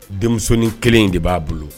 Denmisɛnnin kelen in de b'a bolo